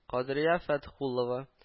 Кадрия Фәтхулова